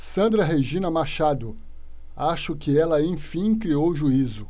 sandra regina machado acho que ela enfim criou juízo